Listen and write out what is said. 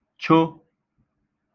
chò